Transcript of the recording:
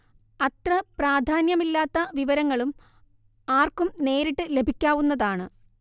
അത്ര പ്രാധാന്യമില്ലാത്ത വിവരങ്ങളും ആർക്കും നേരിട്ട് ലഭിക്കാവുന്നതാണ്